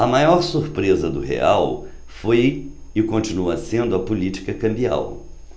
a maior surpresa do real foi e continua sendo a política cambial